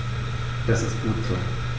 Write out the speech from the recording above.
Das ist gut so.